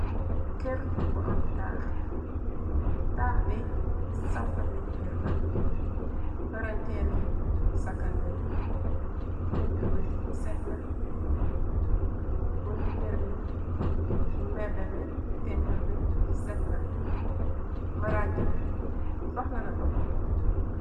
Kër bu am taax, taax bi sampa bi déger na, paranteer yi sakan nañ, péntur bi setna, bunti ker bi ci mbédd bi péntur bi setna, maraaj bi soxlana toppotoo.